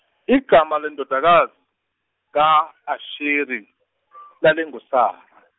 igama lendodakazi, ka Asheri , lalinguSara.